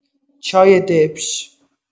چای دبش